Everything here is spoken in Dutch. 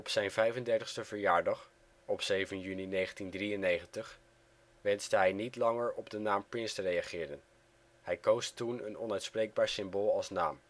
zijn 35e verjaardag op 7 juni 1993 wenste hij niet langer op de naam Prince te reageren; hij koos toen een onuitspreekbaar symbool als naam